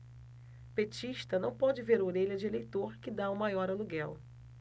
petista não pode ver orelha de eleitor que tá o maior aluguel